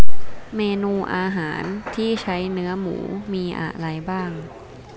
เมนูอาหารที่ใช้เนื้อหมูมีอะไรบ้าง